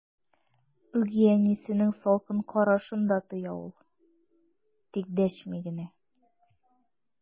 Үги әнисенең салкын карашын да тоя ул, тик дәшми генә.